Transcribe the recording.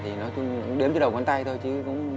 cũng đếm từ đầu ngón tay thôi chứ